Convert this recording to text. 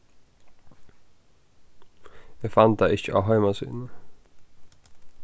eg fann tað ikki á heimasíðuni